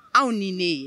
Aw ni ne!